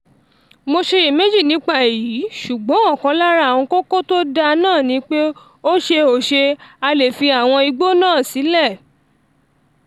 Mò ṣeyèméjì nípa èyí, ṣùgbọ́n ọ̀kan lára àwọn kókó to dáa náà ni pé ó ṣe ò ṣe a lè fi àwọn igbó náà sílẹ̀.